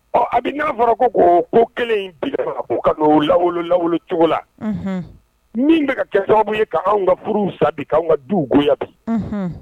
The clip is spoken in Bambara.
Ɔ a bɛ n'a fɔra ko ko ko kelen in bi ka la cogo la min bɛka kɛ sababu ye' anw ka furu sa bi' ka du bi